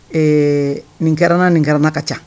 Ee nin kɛra nana nin kɛra nana ka ca